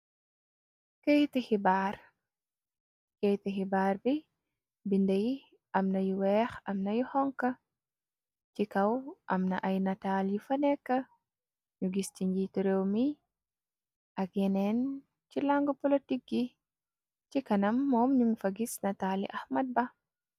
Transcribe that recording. Keyti xibaar, keyti xibaar bi, binde yi amna yu weex amnayu xonk. Ci kaw amna ay nataal yi fa nekka, ñu gis ci njiytu réew mi ak yeneen ci lang polotik yi. Ci kanam moom nun fa gis nataali axmat ba.